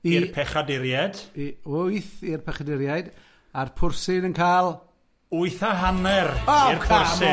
i'r pechaduriaid, i wyth i'r pechaduriaid, a'r pwrsyn yn cael wyth a hanner, i'r pwrsyn. Oh come on.